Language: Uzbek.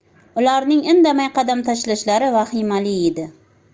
ularning indamay qadam tashiashlari vahimali edi